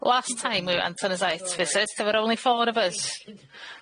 Last time we went on a site visit there were only four of us.